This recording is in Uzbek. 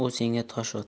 u senga tosh otadi